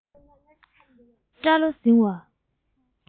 སྐྲ ལོ ཟིང བ